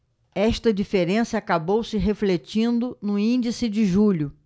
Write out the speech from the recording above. esta diferença acabou se refletindo no índice de julho